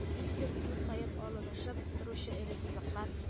Ниндидер минут саен алынышып торучы эре сызыклар